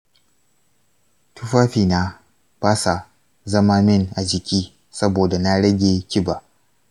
tufafina ba sa zama min a jiki saboda na rage kiba.